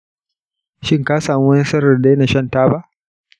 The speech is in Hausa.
shin ka samu nasarar daina shan taba?